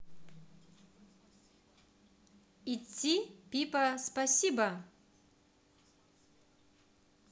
идти пипа спасибо